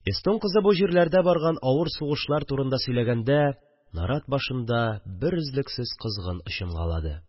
Эстон кызы бу җирләрдә барган авыр сугышлар турында сөйләгәндә, нарат башында берөзлексез козгын очынгалады.